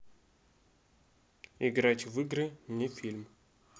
играть в игры не фильм